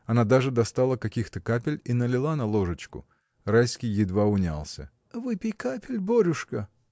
Она даже достала каких-то капель и налила на ложечку. Райский едва унялся. — Выпей капель, Борюшка.